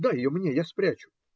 - Дай ее мне, я спрячу.